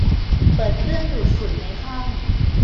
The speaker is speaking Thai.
เปิดเครื่องดูดฝุ่นในห้อง